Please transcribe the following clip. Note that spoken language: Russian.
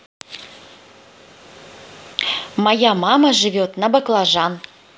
моя мама живет на баклажан